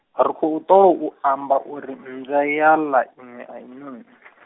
ri khou tholo u amba uri mmbwa ya ḽa iṅwe a i noni .